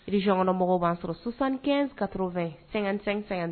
region kɔnɔmɔgɔw b'an sɔrɔ 75 80 55